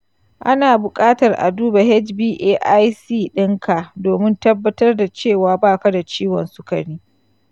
ana buƙatar a duba hba1c ɗinka domin tabbatar da cewa baka da ciwon sukari .